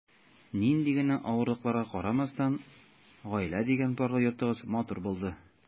Нинди генә авырлыкларга карамастан, “гаилә” дигән парлы йортыгыз матур булды.